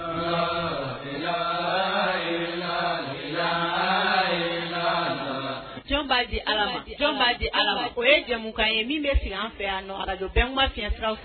Jɔnji ala jɔnji ala o ye jamumukan ye min bɛ f fɛ yan ma fi sira fɛ